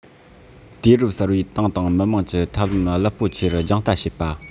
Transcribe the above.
དུས རབས གསར པའི ཏང དང མི དམངས ཀྱི འཐབ ལམ རླབས པོ ཆེར རྒྱང ལྟ བྱེད པ